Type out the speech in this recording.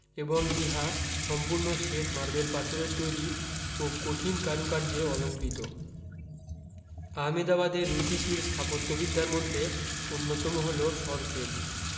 এবং ইহা সম্পূর্ণ শ্বেত মার্বেল পাথরের তৈরী ও কঠিন কারুকার্যে অলংকৃত আহমেদাবাদের রুচিশীল স্থাপত্যবিদ্যার মধ্যে অন্যতম হল সরখেজ